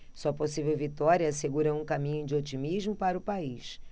sua possível vitória assegura um caminho de otimismo para o país